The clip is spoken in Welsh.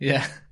Ie!